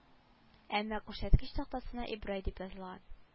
Әмма күрсәткеч тактасына ибрай дип язылган